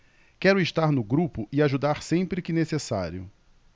quero estar no grupo e ajudar sempre que necessário